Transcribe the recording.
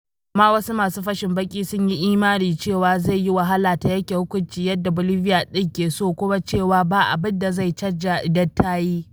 Amma wasu masu fashin baƙi sun yi imani cewa zai yi wahala ta yanke hukunci yadda Bolivia ɗin ke so - kuma cewa ba abin da zai canza idan ta yi.